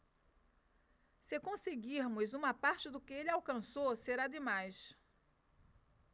se conseguirmos uma parte do que ele alcançou será demais